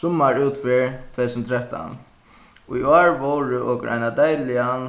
summarútferð tvey túsund og trettan í ár vóru okur eina deiligan